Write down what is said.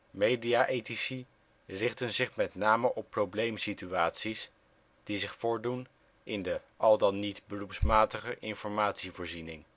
Media-ethici richten zich met name op probleemsituaties die zich voordoen in de (beroepsmatige) informatievoorziening